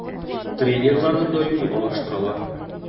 Тренерларны даими алыштыралар.